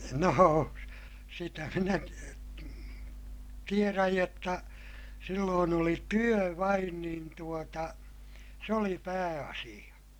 no sitä minä - tiedän jotta silloin oli työ vain niin tuota se oli pääasia